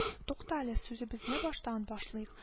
Туктале, сүзебезне баштан башлыйк